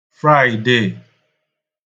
Fraịdè